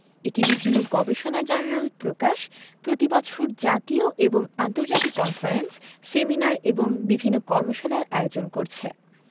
এটি বিভিন্ন গবেষণা জার্নাল প্রকাশ প্রতি বছর জাতীয় এবং আন্তর্জাতিক কনফারেন্স সেমিনার এবং বিভিন্ন কর্মশালার আয়োজন করছে